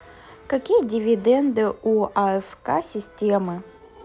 какие дивиденды у афк система